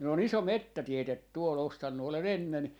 minulla on iso metsätiede tuolla ostanut olen ennen